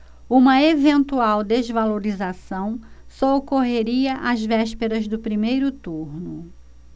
uma eventual desvalorização só ocorreria às vésperas do primeiro turno